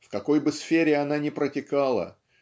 В какой бы сфере она ни протекала